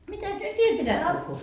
mitäs nyt vielä pitäisi puhua